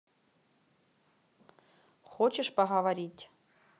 хочешь поговорить